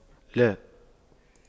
لا